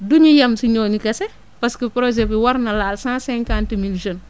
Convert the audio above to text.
du ñu yem si ñooñu kese parce que projet bi war na laal cent cinquante mille jeunes